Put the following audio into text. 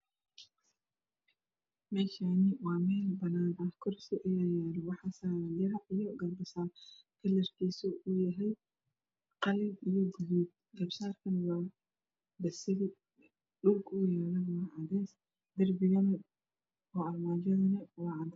Meeshaan waa meel banaan ah waxaa yaalo kursi waxaa saaran dirac iyo garbasaar kalarkiisu waa qalin iyo gaduud, garbasaar kuna waa basali dhulkana waa cadeys darbigana oo armaajada waa cadaan.